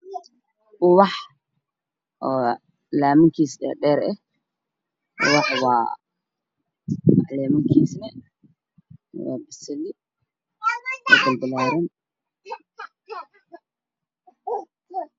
Ubax oo laaman kiisa dhaaheer eh ubaxa laaman kiisa waa beseli oo bal balaaran